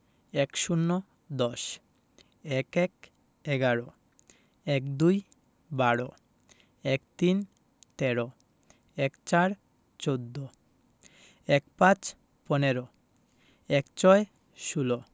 ১০ – দশ ১১ - এগারো ১২ - বারো ১৩ - তেরো ১৪ - চৌদ্দ ১৫ – পনেরো ১৬ - ষোল